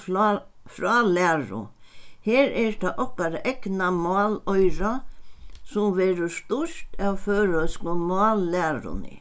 frálæru her er tað okkara egna máloyra sum verður stýrt av føroysku mállæruni